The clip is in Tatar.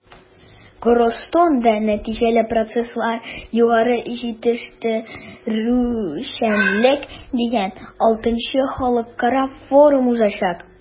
“корстон”да “нәтиҗәле процесслар-югары җитештерүчәнлек” дигән vι халыкара форум узачак.